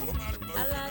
Faama